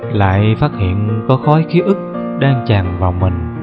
lại phát hiện có khối ký ức đang tràn vào mình